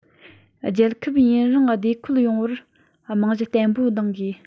རྒྱལ ཁབ ཡུན རིང བདེ འཁོད ཡོང བར རྨང གཞི བརྟན པོ གདིང དགོས